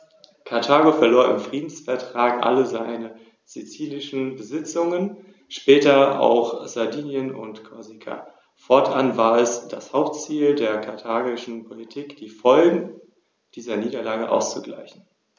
Auch die regionaltypischen Streuobstwiesen werden nun wieder effizient und werbewirksam zur Produktion von ökologisch wertvollen Nahrungsmitteln genutzt, und schonende, ökologisch verträgliche Energiekonzepte sollen die Qualität des Lebensraumes Rhön sichern und ausbauen.